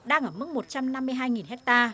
đang ở mức một trăm năm mươi hai nghìn héc ta